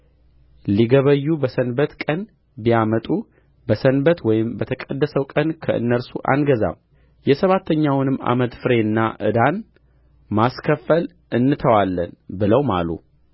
ሊገበዩ በሰንበት ቀን ቢያመጡ በሰንበት ወይም በተቀደሰው ቀን ከእነርሱ አንገዛም የሰባተኛውንም ዓመት ፍሬና ዕዳን ማስከፈል እንተዋለን ብለው ማሉ